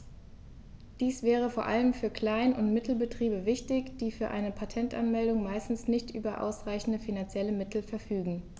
Dies wäre vor allem für Klein- und Mittelbetriebe wichtig, die für eine Patentanmeldung meistens nicht über ausreichende finanzielle Mittel verfügen.